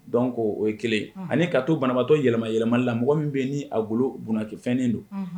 Donc o ye kelen ani ka to banabagatɔ yɛlɛma yɛlɛmali mɔgɔ min bɛ ni a golo bunaki fɛnnen don, unhun.